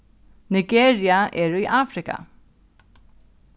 nigeria er í afrika